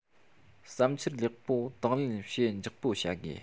བསམ འཆར ལེགས པོ དང ལེན བྱེད མགྱོགས པོ བྱ དགོས